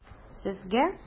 Сезгә?